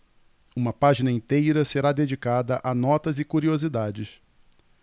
uma página inteira será dedicada a notas e curiosidades